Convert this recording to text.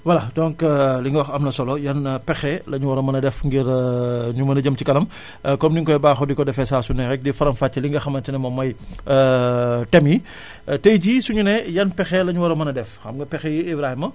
voilà donc li nga wax am na solo yan pexe la ñu war a mën def ngir ñu mën a jëm kanam comme ni ñu koy baaxoo di ko defee saa su ne rek di faram fàcce li nga xamante ne moom mooy thèmes yi suñu nee yan pexe la ñu war a mën a def xam nga pexe yi Ibrahima